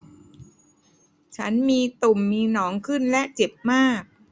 ฉันมีตุ่มมีหนองขึ้นและเจ็บมาก